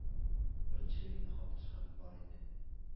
Беренчелегендә катнашканым бар иде.